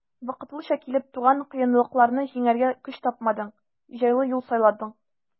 Вакытлыча килеп туган кыенлыкларны җиңәргә көч тапмадың, җайлы юл сайладың.